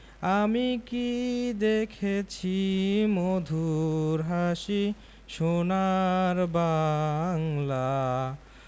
আমি কী দেখেছি মধুর হাসি সোনার বাংলা